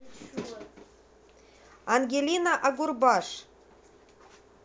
ангелина агурбаш